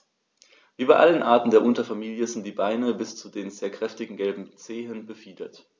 Wie bei allen Arten der Unterfamilie sind die Beine bis zu den sehr kräftigen gelben Zehen befiedert.